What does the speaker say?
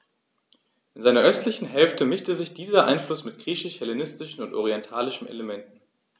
In seiner östlichen Hälfte mischte sich dieser Einfluss mit griechisch-hellenistischen und orientalischen Elementen.